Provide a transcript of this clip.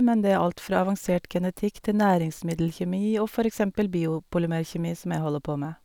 Men det er alt fra avansert genetikk til næringsmiddelkjemi og for eksempel biopolymerkjemi, som jeg holder på med.